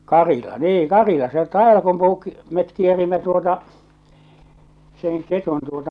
Karila niin Karila se Taivalkumpuun me kierimme tuota sen ketun tuota